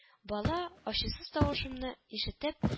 Бала, ачусыз тавышымны ишетеп